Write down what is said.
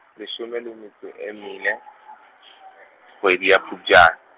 leshome le metso e mene, kgwedi ya Phupjane.